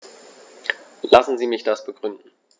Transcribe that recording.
Lassen Sie mich das begründen.